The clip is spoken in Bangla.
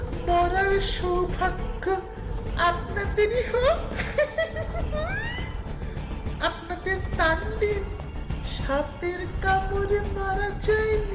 মরার সৌভাগ্য আপনাদের এই হোক আপনাদের তানলিন সাপের কামড়ে মারা যায়নি